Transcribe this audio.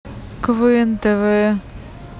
квн тв